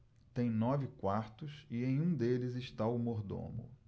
tem nove quartos e em um deles está o mordomo